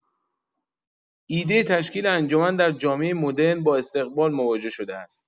ایده تشکیل انجمن در جامعه مدرن با استقبال مواجه شده است.